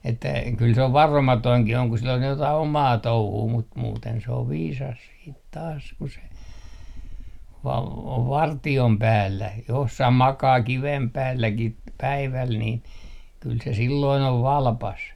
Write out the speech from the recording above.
että kyllä se on varomatonkin on kun sillä on jotakin omaa touhua mutta muuten se on viisas sitten taas kun se - on vartion päällä jossakin makaa kiven päälläkin - päivällä niin kyllä se silloin on valpas